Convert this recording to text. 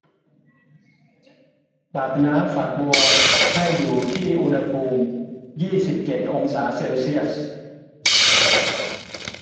ปรับน้ำฝักบัวให้อยู่ที่อุณหภูมิยี่สิบเจ็ดองศาเซลเซียส